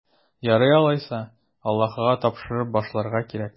Ярый алайса, Аллаһыга тапшырып башларга кирәк.